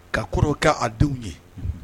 Ka kɔrɔ kɛ a denw ye